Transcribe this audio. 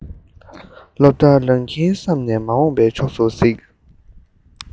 སློབ གྲྭ རང ཁྱིམ དུ བསམ ནས མ འོངས པའི ཕྱོགས སུ གཟིགས